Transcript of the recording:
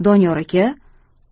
doniyor aka